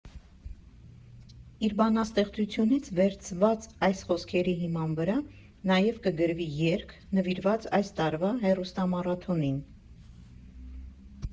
Իր բանաստեղծությունից վերցված այս խոսքերի հիման վրա նաև կգրվի երգ՝ նվիրված այս տարվա հեռուստամարաթոնին։